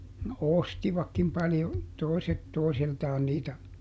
no ostivatkin paljon toiset toisiltaan niitä